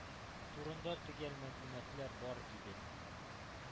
Турында төгәл мәгълүматлар бар иде